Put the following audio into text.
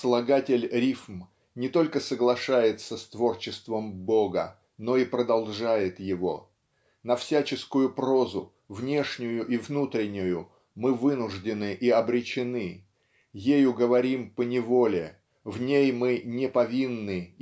слагатель рифм не только соглашается с творчеством Бога но и продолжает его. На всяческую прозу внешнюю и внутреннюю мы вынуждены и обречены ею говорим поневоле в ней мы неповинны